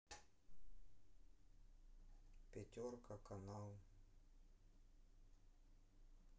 пятерка канал